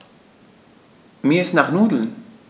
Mir ist nach Nudeln.